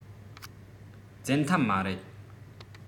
བཙན ཐབས མ རེད